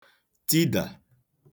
tidà